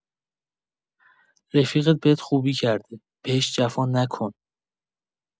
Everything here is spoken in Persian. رفیقت بهت خوبی کرده، بهش جفا نکن.